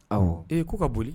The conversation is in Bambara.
Ee k'u ka boli